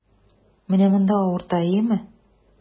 Менә монда авырта, әйеме?